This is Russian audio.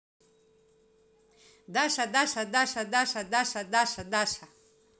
даша даша даша даша даша даша даша